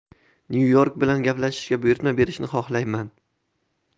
nyu york bilan gaplashishga buyurtma berishni xohlayman